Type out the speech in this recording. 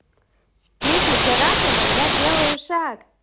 песня джарахова я делаю шаг